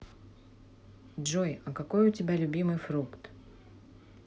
джой а какой у тебя любимый фрукт